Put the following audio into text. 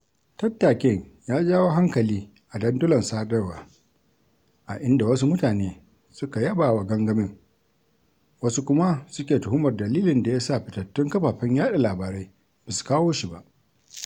Tattakin ya jawo hankali a dandulan sadarwa a inda wasu mutane suka yabawa gangamin wasu kuma suke tuhumar dalilin da ya sa fitattun kafafen yaɗa labarai ba su kawo shi ba.